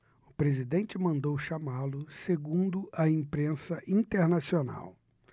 o presidente mandou chamá-lo segundo a imprensa internacional